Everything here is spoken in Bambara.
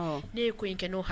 Ne ye ko in kɛ n'o hakili